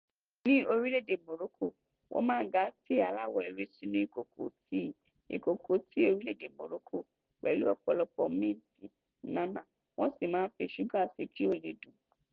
Ní orílẹ́-èdè Morocco, wọ́n máa ń ga tíì aláwọ̀ ewé sínú ìkòkò tíì (ìkòkò tíì orílẹ̀-èdè Morocco) pẹ̀lú ọ̀pọ̀lọpọ̀ míǹtì (na'na') wọ́n sì máa ń fi ṣúgà si kí ó le dùn.